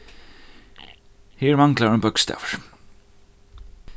her manglar ein bókstavur